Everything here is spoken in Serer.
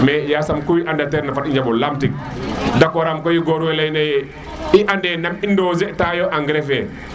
mais yasam ku i anda teer na yasam i njaɓo laam tik d' accord am koy ye goor we ley naye i ande nam i dose ta yo engrais fe